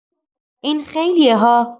این خیلیه ها!